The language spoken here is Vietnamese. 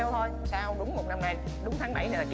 đúng tháng bảy là